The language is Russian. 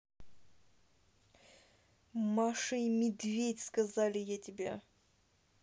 маша медведь сказали я тебе